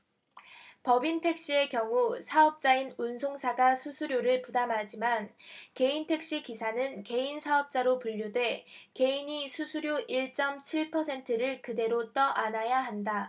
법인택시의 경우 사업자인 운송사가 수수료를 부담하지만 개인택시 기사는 개인사업자로 분류돼 개인이 수수료 일 쩜 칠 퍼센트를 그대로 떠안아야 한다